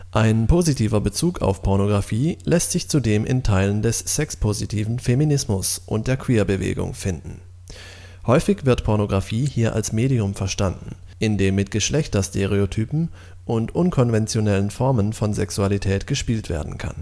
Ein positiver Bezug auf Pornografie lässt sich zudem in Teilen des sexpositiven Feminismus und der Queerbewegung finden. Häufig wird die Pornografie hier als Medium verstanden, in dem mit Geschlechterstereotypen und unkonventionellen Formen von Sexualität gespielt werden kann